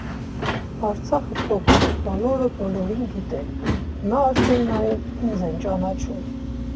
Արցախը փոքր է, բոլորը բոլորին գիտեն, հիմա արդեն նաև ինձ են ճանաչում։